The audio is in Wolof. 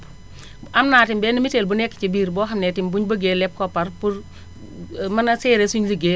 am naa tamit benn mutuel bu nekk ci biir boo xam ne tamit bu ñu bëggee leb koppar pour pour mën a gérer sunu ligéey